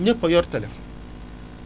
ñëpp a yor téléphone